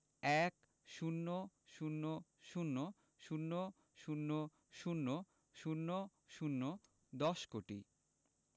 ১০০০০০০০০ দশ কোটি